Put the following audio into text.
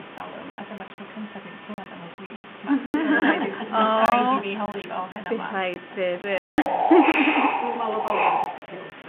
...ers dalwm a dyma'r tro cynta dwi 'di clŵad am y gwisg 'ma. O! Bydd rhaid i fi holi fo heno 'ma. Bydd rhaid bydd fydd. Dwi'm me'wl bod o goro' gwisgo kilt 'de.